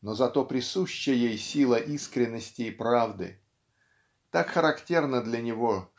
но зато присуща ей сила искренности и правды. Так характерно для него